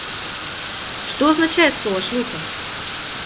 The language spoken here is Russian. что означает слово шлюха